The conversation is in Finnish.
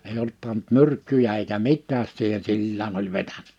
ei ollut pannut myrkkyjä eikä mitään siihen sillään oli vetänyt